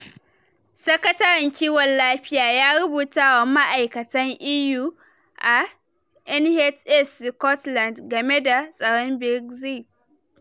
Sakataren kiwon lafiya ya rubuta wa ma'aikatan EU a NHS Scotland game da tsoron Brexit